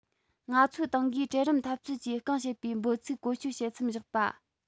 ང ཚོའི ཏང གིས གྲལ རིམ འཐབ རྩོད ཀྱིས རྐང བྱེད པའི འབོད ཚིག བཀོལ སྤྱོད བྱེད མཚམས བཞག པ